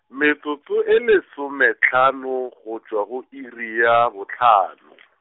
metsotso e lesomehlano, go tšwa go iri ya bohlano.